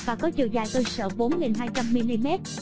và có chiều dài cơ sở mm